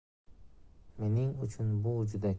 mening uchun bu juda